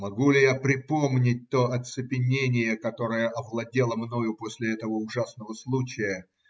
Могу ли я припомнить то оцепенение, которое овладело мною после этого ужасного случая?